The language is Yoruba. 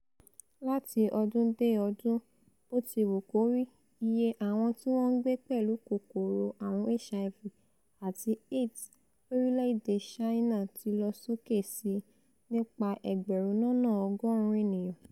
Láti ọdún-dé-ọdún, botiwukori, iye àwọn tíwọn ńgbé pẹ̀lú kòkòrò ààrùn HIV àti Aids lorílẹ̀-èdè Ṣáínà ti lọ sókè síi nípa ẹgbẹ̀rún lọ́nà ọgọ́ọ̀rún ènìyàn.